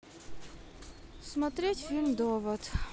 смотреть фильм довод